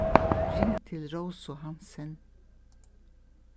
ring til rósu hansen